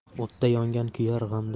o'tda yongan kuyar